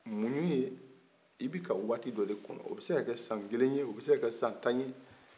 munɲuni i beka waati dɔ de kɔnɔn o bese ka kɛ san kelen ye o bese ka kɛ san tan ye